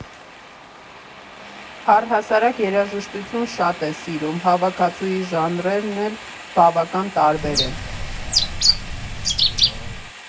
Առհասարակ երաժշտություն շատ է սիրում, հավաքածուի ժանրերն էլ բավական տարբեր են։